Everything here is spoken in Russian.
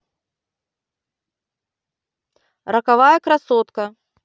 роковая красотка